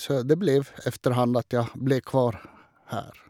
Så det ble efterhand at jeg ble kvar her.